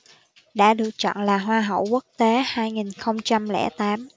đã được chọn là hoa hậu quốc tế hai nghìn không trăm lẻ tám